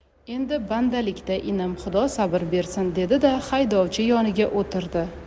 endi bandalik da inim xudo sabr bersin dedi da haydovchi yoniga o'tirdi